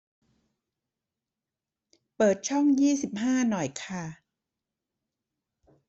เปิดช่องยี่สิบห้าหน่อยคะ